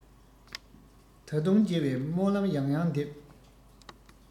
ད དུང མཇལ བའི སྨོན ལམ ཡང ཡང འདེབས